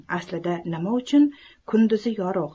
aslida nima uchun kunduzi yorug'